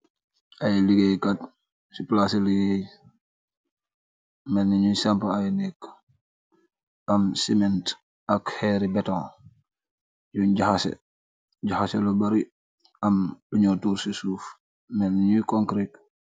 ay liggéey kat ci plaase liggéey melniñuy samp ay nekk am siment ak heery betan yuñ jaxase lu bari am luñuo tuur ci suuf meln ñuy konkret